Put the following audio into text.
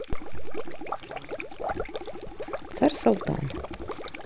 царь салтан